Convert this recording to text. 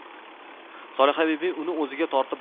solihabibi uni o'ziga tortib